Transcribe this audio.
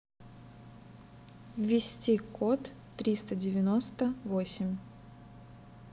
вести код триста девяносто восемь